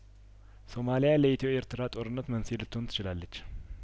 ሶማሊያ ለኢትዮ ኤርትራ ጦርነት መንስኤ ልትሆን ትችላለች